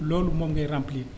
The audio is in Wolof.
loolu moom ngay remplir